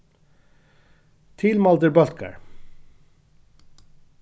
tilmældir bólkar